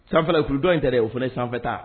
Sanfɛlaurudɔn in tɛɛrɛ o fana sanfɛfɛta